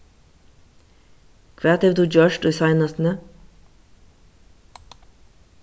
hvat hevur tú gjørt í seinastuni